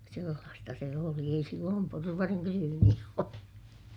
sellaista se oli ei silloin porvarin ryyneissä oltu